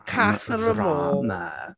Casa Amor...Am ddrama!